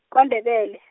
kwaNdebele.